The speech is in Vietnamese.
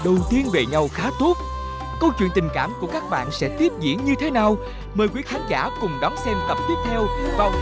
đầu tiên về nhau khá tốt câu chuyện tình cảm của các bạn sẽ tiếp diễn như thế nào mời quý khán giả cùng đón xem tập tiếp theo vào